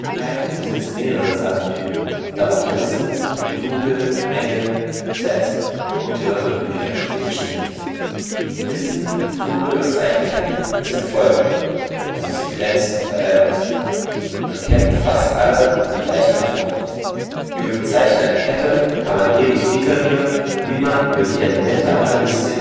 Python besitzt mehrere Sammeltypen, darunter Listen, Tupel, Mengen (Sets) und Wörterbücher (Dictionaries). Listen, Tupel und Zeichenketten sind Folgen (Sequenzen, Arrays) und kennen fast alle die gleichen Methoden: Über die Zeichen einer Kette kann man ebenso iterieren wie über die Elemente einer Liste